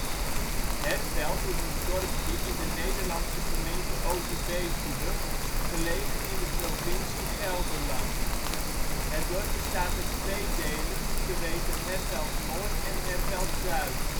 Herveld is een dorpje in de Nederlandse gemeente Overbetuwe, gelegen in de provincie Gelderland. Het dorp bestaat uit twee delen, te weten Herveld-Noord en Herveld-Zuid